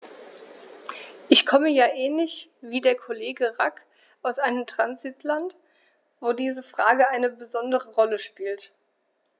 Ich komme ja ähnlich wie der Kollege Rack aus einem Transitland, wo diese Frage eine besondere Rolle spielt.